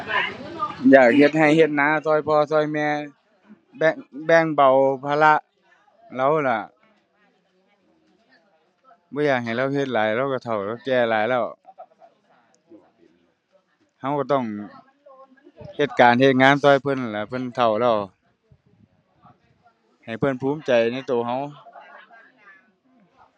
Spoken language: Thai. อยากเฮ็ดไร่เฮ็ดนาไร่พ่อไร่แม่ แบ่ง แบ่งเบาภาระเลาล่ะ บ่อยากให้เลาเฮ็ดหลาย เลาไร่เฒ่าเลาแก่หลายแล้ว ไร่ไร่ต้องเฮ็ดการเฮ็ดงานไร่เพิ่นนั่นล่ะ เพิ่นเฒ่าแล้ว ให้เพิ่นภูมิใจในไร่ไร่